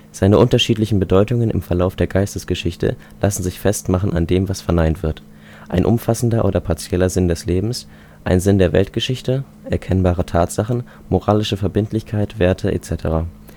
Seine unterschiedlichen Bedeutungen im Verlauf der Geistesgeschichte lassen sich festmachen an dem, was verneint wird: ein umfassender oder partieller Sinn des Lebens ein Sinn der Weltgeschichte erkennbare Tatsachen moralische Verbindlichkeit, Werte, etc.